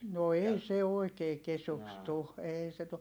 no ei se oikein kesyksi tule ei se tule